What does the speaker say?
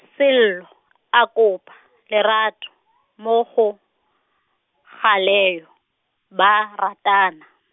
Sello, a kopa , lerato , mo go, Galeyo, ba ratana.